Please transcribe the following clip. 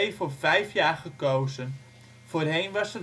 voor vijf jaar gekozen (voorheen was